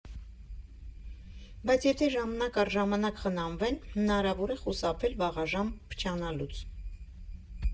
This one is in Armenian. Բայց եթե ժամանակ առ ժամանակ խնամվեն, հնարավոր է խուսափել վաղաժամ փչանալուց։